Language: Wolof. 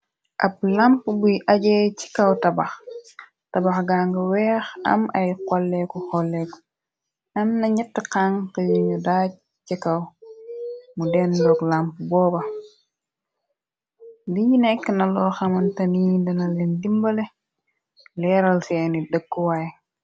ab lamp buy ajee ci kaw tabax tabax gang weex am ay xolleeku xolleeku nam na ñett xank yuñu daaj ci kaw mu deen loog làmp booba dii nekk na loo xaman tamiñ dana leen dimbale leeral seeni dëkkuwaay